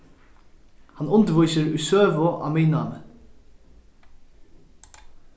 hann undirvísir í søgu á miðnámi